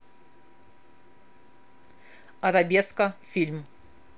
арабеска фильм